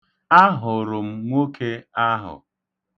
Ahụrụ m nwoke ahụ.